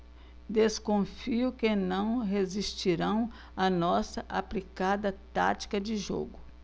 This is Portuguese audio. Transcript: desconfio que não resistirão à nossa aplicada tática de jogo